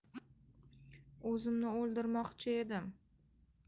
o'zimni o'ldirmoqchi edim